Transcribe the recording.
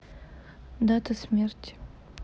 дата смерти